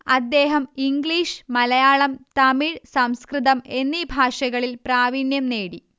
അദ്ദേഹം ഇംഗ്ലീഷ് മലയാളം തമിഴ് സംസ്കൃതം എന്നീ ഭാഷകളിൽ പ്രാവീണ്യം നേടി